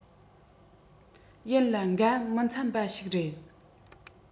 ཡིན ལ འགའ མི འཚམ པ ཞིག རེད